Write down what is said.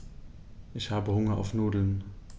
Ich habe Hunger auf Nudeln.